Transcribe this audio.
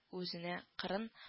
Үзенә кырын